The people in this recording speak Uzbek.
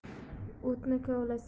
o'tni kovlasang o'char